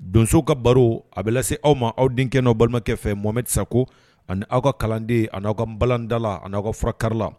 Donso ka baro a bɛ lase aw ma, aw denkɛ, balimakɛ fɛ Mohamed Sacko ani aw ka kalanden ani aw ka balalandalan ani aw ka fura kari la.